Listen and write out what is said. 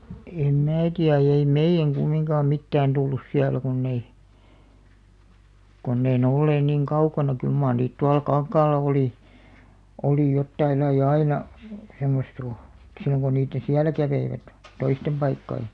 en minä tiedä ei meidän kumminkaan mitään tullut siellä kun ei kun ei ne olleet niin kaukana kyllä mar niitä tuolla kankaalla oli oli jotain lajia aina semmoista kun silloin kun niiden siellä kävivät toisten paikkojen